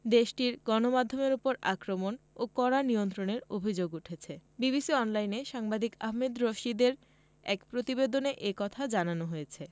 দেশটির গণমাধ্যমের ওপর আক্রমণ ও কড়া নিয়ন্ত্রণের অভিযোগ উঠেছে বিবিসি অনলাইনে সাংবাদিক আহমেদ রশিদের এক প্রতিবেদনে এ কথা জানানো হয়েছে